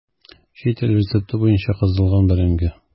Чит ил рецепты буенча кыздырылган бәрәңге.